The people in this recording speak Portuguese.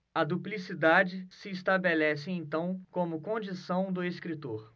a duplicidade se estabelece então como condição do escritor